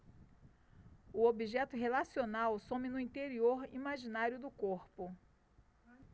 o objeto relacional some no interior imaginário do corpo